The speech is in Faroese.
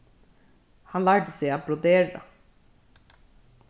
hann lærdi seg at brodera